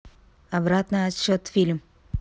обратный отсчет фильм